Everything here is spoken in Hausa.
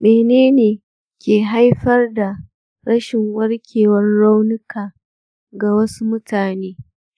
mene ne ke haifar da rashin warkewar raunuka ga wasu mutane?